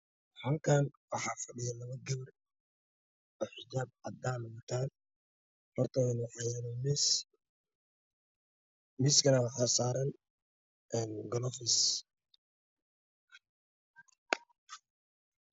Halkaan waxaa fadhiyo labo gabar oo xijaab cadaan ah wataan hortoodana waxaa yaalo miis waxaa saaran galoofis.